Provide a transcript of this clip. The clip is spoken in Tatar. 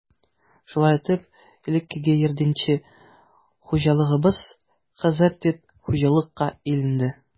Шулай итеп, элеккеге ярдәмче хуҗалыгыбыз хәзер төп хуҗалыкка әйләнде.